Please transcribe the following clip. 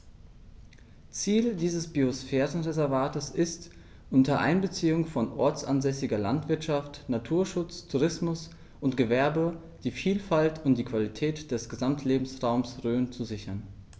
Ziel dieses Biosphärenreservates ist, unter Einbeziehung von ortsansässiger Landwirtschaft, Naturschutz, Tourismus und Gewerbe die Vielfalt und die Qualität des Gesamtlebensraumes Rhön zu sichern.